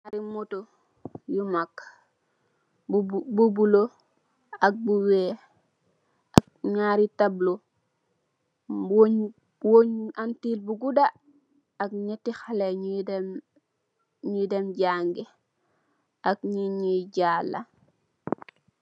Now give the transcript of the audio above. Ay motto yu mag, bu buloor, ak bu weex ak ñaari tablë. Wéñge antén bu guda, ak ñati xalé ñuy dem jàngi, ñit ñiiy jaala.